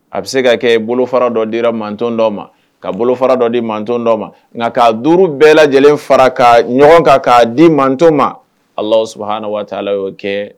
A bɛ se ka kɛ bolofa dɔ dira ma dɔw ma ka bolofa dɔ di ma dɔw ma nka ka duuru bɛɛ lajɛlen fara ka ɲɔgɔn kan'a di ma ma alaha waati ala y'o kɛ